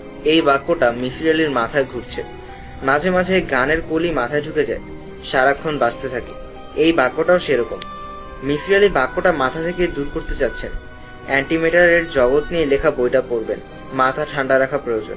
এই বাক্যটা মিছির আলীর মাথায় ঘুরছে মাঝে মাঝে গানের কলি মাথায় ঢুকে যায় সারাক্ষণ বাসায় থাকি এই বাক্য টাও সেরকম মিসির আলি বাক্যটা মাথা থেকে দূর করতে চাচ্ছেন এন্টি ম্যাটার এর জগত নিয়ে লেখা বইটা পড়বেন মাথা ঠান্ডা রাখা প্রয়োজন